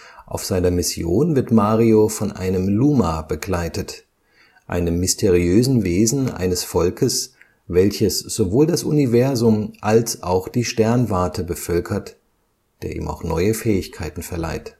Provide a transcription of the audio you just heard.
Auf seiner Mission wird Mario von einem Luma begleitet – einem mysteriösen Wesen eines Volkes, welches sowohl das Universum als auch die Sternwarte bevölkert –, der ihm neue Fähigkeiten verleiht